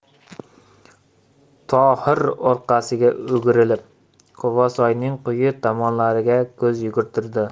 tohir orqasiga o'girilib quvasoyning quyi tomonlariga ko'z yugurtirdi